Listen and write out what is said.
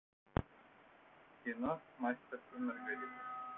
кино мастер и маргарита